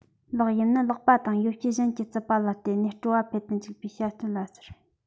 ལག གཡེམ ནི ལག པ དང ཡོ བྱད གཞན གྱི རྩུབ པ ལ བརྟེན ནས སྤྲོ བ འཕེལ དུ འཇུག པའི བྱ སྤྱོད ལ ཟེར